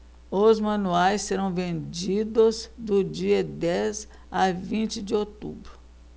os manuais serão vendidos do dia dez a vinte de outubro